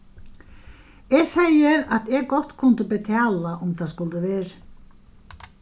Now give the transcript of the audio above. eg segði at eg gott kundi betala um tað skuldi verið